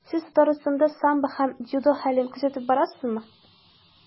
Сез Татарстанда самбо һәм дзюдо хәлен күзәтеп барасызмы?